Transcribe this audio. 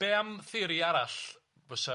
Be am theori arall fysa